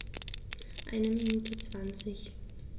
Eine Minute 20